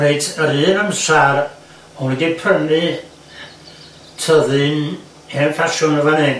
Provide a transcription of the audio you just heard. Reit yr un amser o'n i 'di prynu tyddyn hen ffasiwn yn fan 'yn.